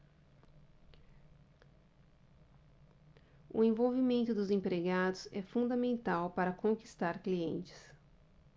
o envolvimento dos empregados é fundamental para conquistar clientes